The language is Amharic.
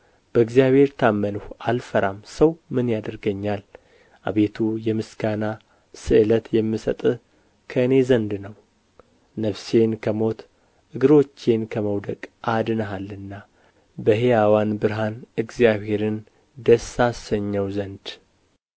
በእግዚአብሔር ታመንሁ አልፈራም ሰው ምን ያደርገኛል አቤቱ የምስጋና ስእለት የምሰጥህ ከእኔ ዘንድ ነው ነፍሴን ከሞት እግሮቼን ከመውደቅ አድነሃልና በሕያዋን ብርሃን እግዚአብሔርን ደስ አሰኘው ዘንድ